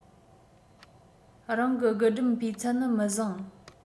རང གི རྒུན འབྲུམ སྤུས ཚད ནི མི བཟང